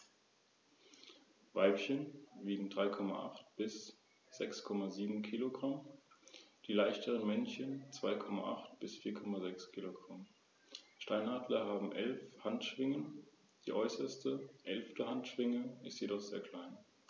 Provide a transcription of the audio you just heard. Der bislang einzige Nationalpark der Schweiz verfolgt drei Ziele: Naturschutz, Forschung und Information.